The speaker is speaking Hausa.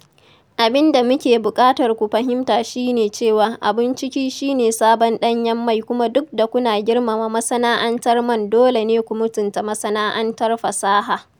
Abin da muke buƙatar ku fahimta shi ne cewa abun ciki shine sabon danyen mai kuma duk da kuna girmama masana'antar man dole ne ku mutunta masana'antar fasaha.